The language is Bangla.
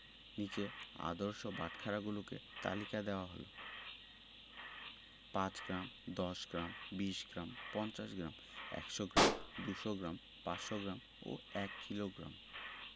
নিচে আদর্শ বাটখারাগুলোর তালিকা দেয়া হলঃ ৫ গ্রাম ১০গ্ৰাম ২০ gram ৫০ gram ১০০ gram ২০০ gram ৫০০ gram ও ১ কিলোগ্রাম